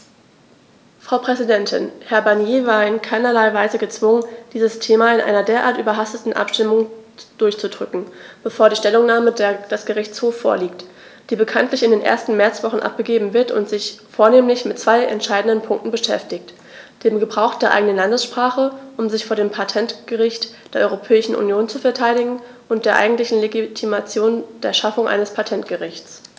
Frau Präsidentin, Herr Barnier war in keinerlei Weise gezwungen, dieses Thema in einer derart überhasteten Abstimmung durchzudrücken, bevor die Stellungnahme des Gerichtshofs vorliegt, die bekanntlich in der ersten Märzwoche abgegeben wird und sich vornehmlich mit zwei entscheidenden Punkten beschäftigt: dem Gebrauch der eigenen Landessprache, um sich vor dem Patentgericht der Europäischen Union zu verteidigen, und der eigentlichen Legitimität der Schaffung eines Patentgerichts.